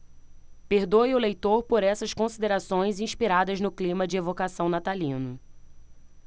perdoe o leitor por essas considerações inspiradas no clima de evocação natalino